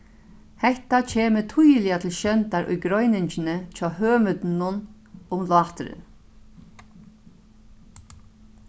hetta kemur týðiliga til sjóndar í greiningini hjá høvundinum um láturin